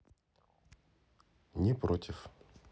не против